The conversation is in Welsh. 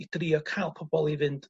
i drio ca'l pobol i fynd